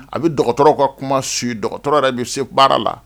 A bɛ docteur u ka kuma suit docteur yɛrɛ bɛ se baara la